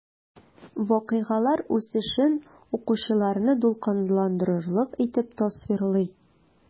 Вакыйгалар үсешен укучыларны дулкынландырырлык итеп тасвирлый.